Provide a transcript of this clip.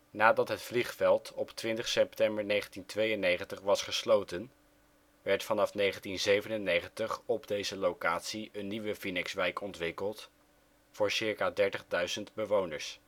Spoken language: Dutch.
Nadat het vliegveld op 20 september 1992 was gesloten, werd vanaf 1997 op deze locatie een nieuwe Vinex-wijk ontwikkeld voor circa 30.000 bewoners